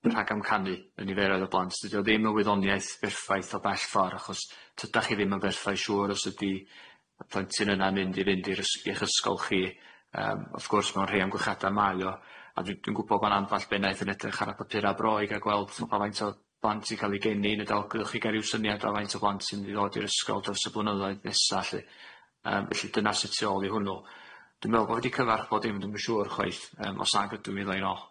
yn rhagamcanu y niferoedd o blant dydi o ddim yn wyddoniaeth berffaith o bell ffor' achos tydach chi ddim yn berffaith siŵr os ydi y plentyn yna'n mynd i fynd i'r ys- i'ch ysgol chi yym wrth gwrs mewn rhei amgylchiada mae o, a dwi dwi'n gwbo bo' 'na amball bennaeth yn edrych ar y papura bro i ga'l gweld o faint o blant sy'n ca'l eu geni'n y dalgylch i ga'l ryw syniad o faint o blant sy'n mynd i ddod i'r ysgol dros y blynyddoedd nesa' lly. Yym felly dyna sy' tu ôl i hwnnw. Dwi'n me'wl bo' fi di cyfrwrdd bob dim, dwi'm yn siŵr chwaith. Yym os nad ydw i mi ddoi nôl.